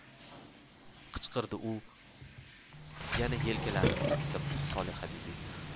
qichqirdi yana uni yelkalaridan silkitib solihabibi